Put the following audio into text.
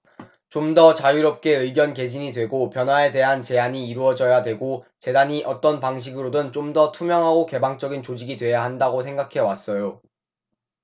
좀더 자유롭게 의견 개진이 되고 변화에 대한 제안이 이뤄져야 되고 재단이 어떤 방식으로든 좀 더 투명하고 개방적인 조직이 돼야 한다고 생각해 왔어요